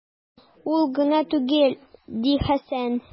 Ул гына түгел, - ди Хәсән.